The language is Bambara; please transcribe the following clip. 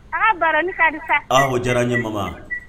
A bara ni ka ko diyara ɲɛma